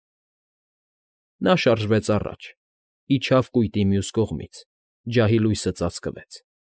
Նա շարժվեց առաջ, իջավ կույտի մյուս կողմից, ջահի լույսը ծածկվեց։